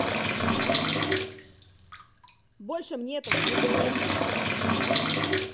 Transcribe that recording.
больше мне этого не говори